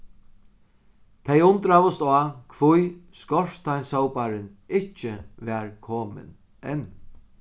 tey undraðust á hví skorsteinssóparin ikki var komin enn